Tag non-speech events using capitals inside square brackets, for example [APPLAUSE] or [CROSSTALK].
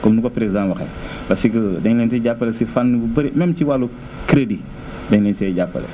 comme ni ko président waxee [NOISE] parce que [HESITATION] dañ leen siy jàppale si fànn bu bëri même ci wàllu crédit [NOISE] dañ lee see jàppale